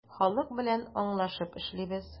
Халык белән аңлашып эшлибез.